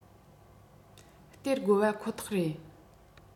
སྟེར དགོས པ ཁོ ཐག རེད